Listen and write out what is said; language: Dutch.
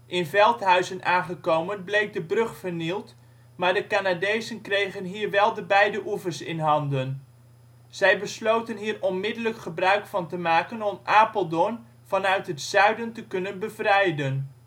In Veldhuizen aangekomen bleek de brug vernield, maar de Canadezen kregen hier wel de beide oevers in handen. Zij besloten hier onmiddellijk gebruik van te maken om Apeldoorn vanuit het zuiden te kunnen bevrijden